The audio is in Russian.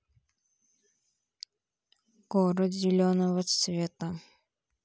город зеленого цвета